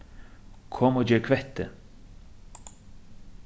kom og ger kvettið